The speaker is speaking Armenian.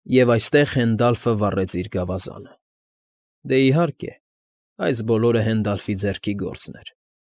Եվ այստեղ Հենդալֆը վառեց իր գավազանը։ Դե, իհարկե, այս բոլորը Հենդալֆի ձեռքի գործն էր։